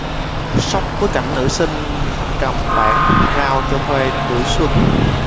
sốc với cảnh nữ sinh cầm bảng rao cho thuê tuổi xuân